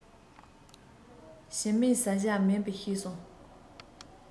ཞི མིའི བཟའ བྱ མིན པ ཤེས སོང